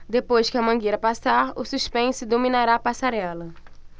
depois que a mangueira passar o suspense dominará a passarela